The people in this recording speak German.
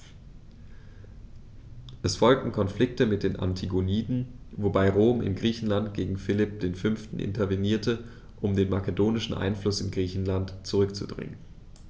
Es folgten Konflikte mit den Antigoniden, wobei Rom in Griechenland gegen Philipp V. intervenierte, um den makedonischen Einfluss in Griechenland zurückzudrängen.